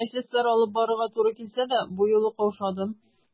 Мәҗлесләр алып барырга туры килсә дә, бу юлы каушадым.